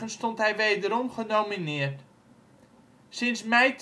stond hij wederom genomineerd. Sinds mei